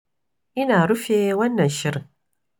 Ina rufe wannan shirin.